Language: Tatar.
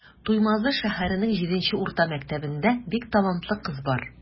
Туймазы шәһәренең 7 нче урта мәктәбендә бик талантлы кыз бар.